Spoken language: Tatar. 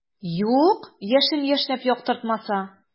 Юк, яшен яшьнәп яктыртмаса.